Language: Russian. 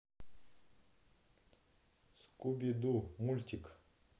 скуби ду мультик